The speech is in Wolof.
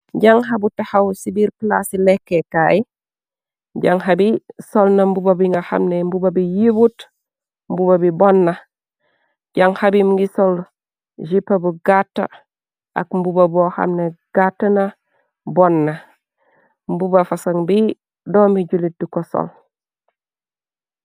Jànxa bu texaw ci biir plaa ci lekkekaay jangxa bi sol na mbuba bi nga xamne mbuba bi yiibuut mbuba bi bonna jànxabim ngi sol gipp bu gatt ak mbuba bo xamne gatt na bonna mbuba fasoŋ bi doomi julit di ko sol.